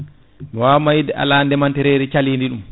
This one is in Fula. mi wawa wide ala ndeematereri caalidi ɗum